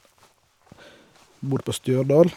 Bor på Stjørdal.